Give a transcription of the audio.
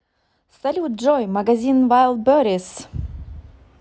салют джой магазин вайлдберрис